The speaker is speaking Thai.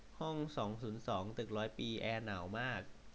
ห้องสองศูนย์สองตึกร้อยปีแอร์หนาวมาก